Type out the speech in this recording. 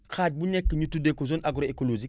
xaaj bu nekk ñu tuddee ko zone agro écologique